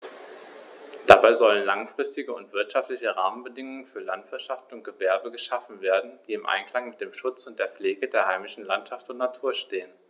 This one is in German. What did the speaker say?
Dabei sollen langfristige und wirtschaftliche Rahmenbedingungen für Landwirtschaft und Gewerbe geschaffen werden, die im Einklang mit dem Schutz und der Pflege der heimischen Landschaft und Natur stehen.